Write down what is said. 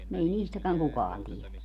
ei niistäkään kukaan tiedä